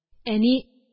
Әни: